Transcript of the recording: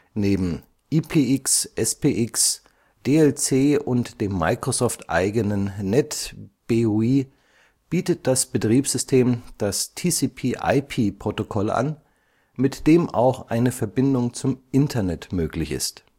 Neben IPX/SPX, DLC und dem MS-eigenen NetBEUI bietet das Betriebssystem das TCP/IP-Protokoll an, mit dem auch eine Verbindung zum Internet möglich ist